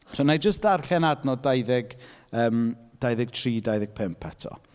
So wna i jyst darllen adnod dauddeg, yym, dau ddeg tri dau ddeg pump eto.